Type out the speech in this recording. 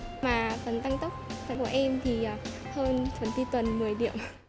mà phần tăng tốc của em thì hơn phần thi tuần mười điểm